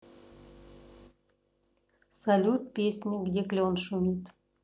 салют песня где клен шумит